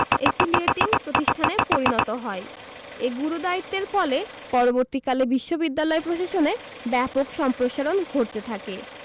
affiliating প্রতিষ্ঠানে পরিণত হয় এ গুরুদায়িত্বের ফলে পরবর্তীকালে বিশ্ববিদ্যালয় প্রশাসনে ব্যাপক সম্প্রসারণ ঘটতে থাকে